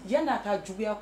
Yan'a ka juguya